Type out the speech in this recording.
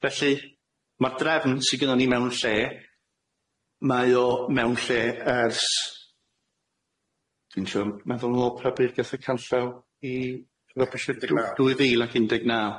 Felly ma'r drefn sy gynnon ni mewn lle, mae o mewn lle ers, dwi'n trio meddwl yn ôl pa bryd gath y canllaw i fabwysiadu, dwy dwy fil ac un deg naw.